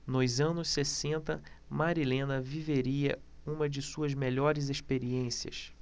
nos anos sessenta marilena viveria uma de suas melhores experiências